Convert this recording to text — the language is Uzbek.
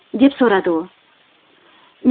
deb so'radi u